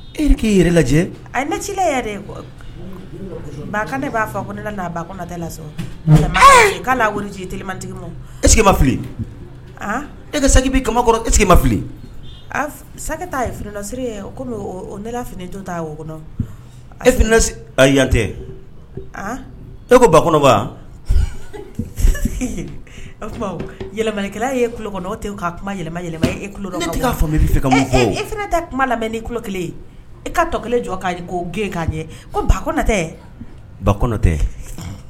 E k'i lajɛ a nala ye ne b'a fɔ ne ba la k' ncitigi ma e ma ekɔrɔ e ma fili sa t yelasiri kɔmi ne fini jɔ t ta o kɔnɔ e yantɛ e ko ba kɔnɔ yɛlɛkɛ ye ku kɔnɔ kulo'a tɛ kuma lamɛn n ni tulo kelen e ka tɔ kelen jɔ k'a ko gɛn'a ɲɛ ko batɛ batɛ